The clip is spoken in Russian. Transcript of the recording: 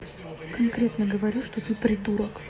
конкретно говорю что ты придурок